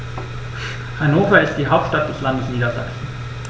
Hannover ist die Hauptstadt des Landes Niedersachsen.